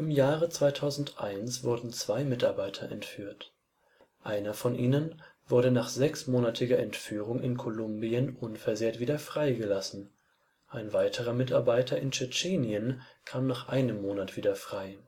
Jahre 2001 wurden zwei Mitarbeiter entführt. Einer von ihnen wurde nach sechsmonatiger Entführung in Kolumbien unversehrt wieder freigelassen, ein weiterer Mitarbeiter in Tschetschenien kam nach einem Monat wieder frei